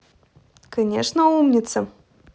конечно умница